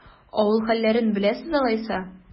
Авыл хәлләрен беләсез алайса?